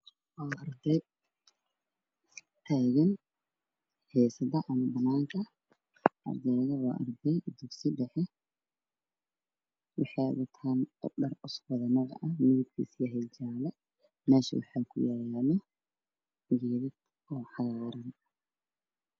Waa arday taagtaagan oo dugsi dhexe oo wataan dhar jaalo waxaa ka dambeeya geeda caga saf ayay ku jiraan